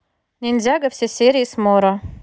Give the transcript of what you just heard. ниндзяго все серии с моро